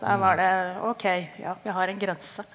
der var det, ok ja vi har en grense.